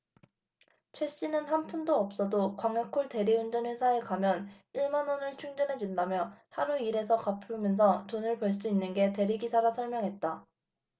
최씨는 한 푼도 없어도 광역콜 대리운전 회사에 가면 일 만원을 충전해준다며 하루 일해서 갚으면서 돈을 벌 수 있는 게 대리기사라 설명했다